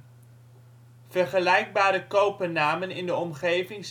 Vergelijkbare copenamen in de omgeving